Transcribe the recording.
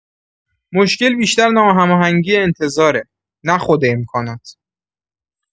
مشکل بیشتر ناهماهنگی انتظاره، نه خود امکانات.